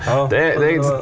ja .